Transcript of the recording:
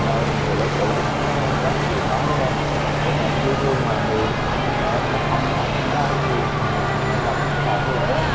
ra người lớn tuổi cũng không có trách cái chuyện đó đúng hông thấy mẹ cũng dễ thương mà hiền mẹ em còn học hỏi con dâu nữa thì mẹ chồng là số một luôn rồi đó